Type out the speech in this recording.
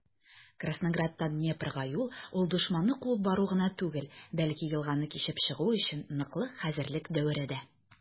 Краснограддан Днепрга юл - ул дошманны куып бару гына түгел, бәлки елганы кичеп чыгу өчен ныклы хәзерлек дәвере дә.